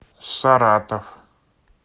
саратов